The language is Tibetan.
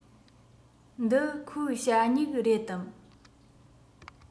འདི ཁོའི ཞ སྨྱུག རེད དམ